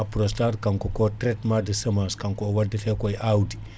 Aprostar kanko ko traitement, de, semence kanko o waddate koye awdi